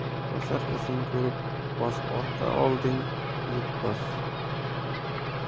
bosar izing ko'rib bos orqa olding bilib bos